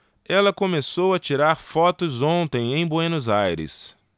ela começou a tirar fotos ontem em buenos aires